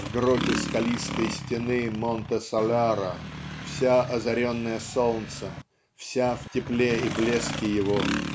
в гроте скалистой стены Монте-Соляро вся озаренная солнцем вся в тепле и блеске его